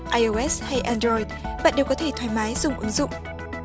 ai ô ét hay en đờ roi bạn đều có thể thoải mái dùng ứng dụng